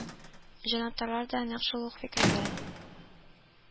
Җанатарлар да нәкъ шушы ук фикердә